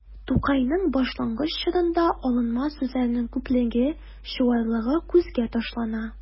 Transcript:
Тукайның башлангыч чорында алынма сүзләрнең күплеге, чуарлыгы күзгә ташлана.